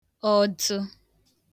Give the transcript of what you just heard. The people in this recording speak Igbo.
ọdtụ